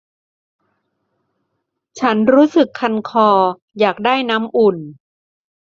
ฉันรู้สึกคันคออยากได้น้ำอุ่น